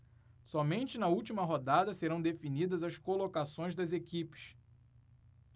somente na última rodada serão definidas as colocações das equipes